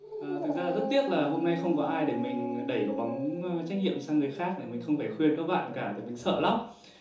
ò thực ra rất tiếc là hôm nay không có ai để mình đẩy quả bóng trách nhiệm sang người khác để mình không phải khuyên các bạn cả tại mình sợ lắm